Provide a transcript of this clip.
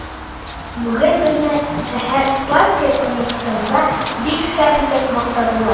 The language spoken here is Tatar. Бүген безне шәһәр партия комитетында бик шәп итеп мактадылар.